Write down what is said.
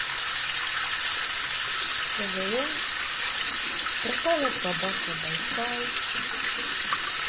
квн пропала собака байкал